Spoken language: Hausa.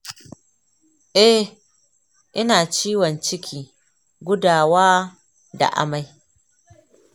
eh, ina ciwon ciki, gudawa da amai.